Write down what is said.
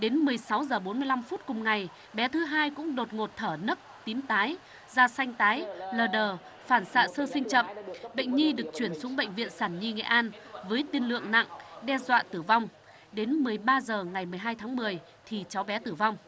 đến mười sáu giờ bốn lăm phút cùng ngày bé thứ hai cũng đột ngột thở nấc tím tái da xanh tái lờ đờ phản xạ sơ sinh chậm bệnh nhi được chuyển xuống bệnh viện sản nhi nghệ an với tiên lượng nặng đe dọa tử vong đến mười ba giờ ngày mười hai tháng mười thì cháu bé tử vong